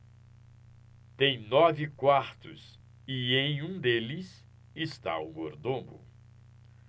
tem nove quartos e em um deles está o mordomo